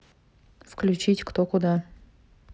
включить кто куда